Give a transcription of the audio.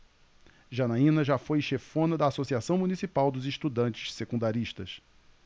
janaina foi chefona da ames associação municipal dos estudantes secundaristas